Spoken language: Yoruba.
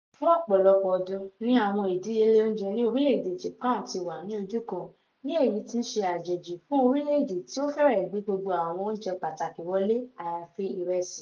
Fún ọ̀pọ̀lọpọ̀ ọdún ni àwọn ìdíyelé oúnjẹ ní orílẹ̀-èdè Japan ti wà ní ojúkan, ní èyí tí í ṣe àjèjì fún orílẹ̀-èdè tí ó fèrẹ́ gbé gbogbo àwọn oúnjẹ pàtàkì wọlé àyàfi ìrẹsì.